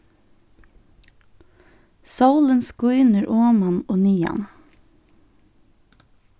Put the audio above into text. sólin skínur oman og niðan